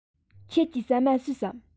ཁྱེད ཀྱིས ཟ མ ཟོས སམ